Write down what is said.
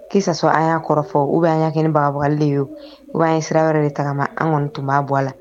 que ça soit a n y'a kɔrɔfɔ fɔ wo, ou bien an y 'a kɛ ni bagabali ye, ou bien an ye sira wɛrɛ de tagama an kɔni tun b'a bɔ a la.